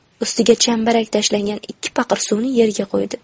ustiga chambarak tashlangan ikki paqir suvni yerga qo'ydi